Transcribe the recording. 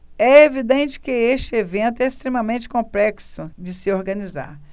é evidente que este evento é extremamente complexo de se organizar